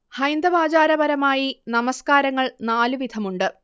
ഹൈന്ദവാചാരപരമായി നമസ്കാരങ്ങൾ നാല് വിധമുണ്ട്